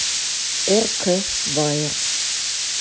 р к байер